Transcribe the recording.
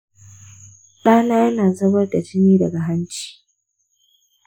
ɗana yana zubar da jini daga hanci